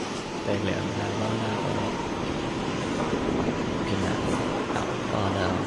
Deilig med varme og å kunne, ja, bade og...